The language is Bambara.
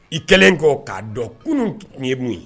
I kɛlen kɔ k'a dɔn kunun tun ye mun ye